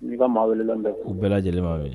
I n'i ka maa welelɛn bɛɛ. U bɛɛ lajɛlen b'a mɛn.